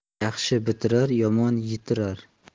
yaxshi bitirar yomon yitirar